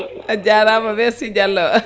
a jarama merci Diallo